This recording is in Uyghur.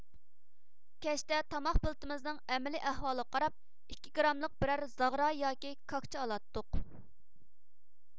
كەچتە تاماق بېلىتىمىزنىڭ ئەمەلىي ئەھۋالىغا قاراپ ئىككى گراملىق بىرەر زاغرا ياكى كاكچا ئالاتتۇق